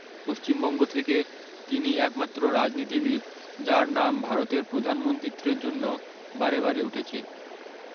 পশ্চিম বঙ্গ থেকে তিনিই একমাত্র রাজনীতিবিদ যার নাম ভারতের প্রধানমন্ত্রীত্বের জন্য বারে বারে উঠেছে